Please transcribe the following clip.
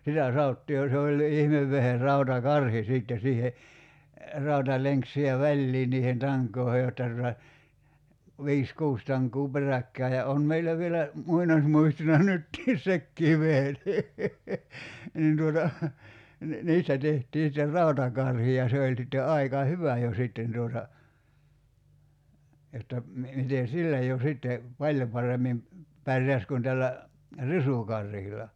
sitä sanottiin ja se olikin ihmevehje rautakarhi sitten siihen rautalenkki siihen väliin niiden tankojen jotta tuota viisi kuusi tankoa peräkkäin ja on meillä vielä muinaismuistona nytkin sekin vehje niin niin tuota niin niistä tehtiin sitten rautakarhi ja se oli sitten aika hyvä jo sitten tuota jotta - miten sillä jo sitten paljon paremmin pärjäsi kuin tällä risukarhilla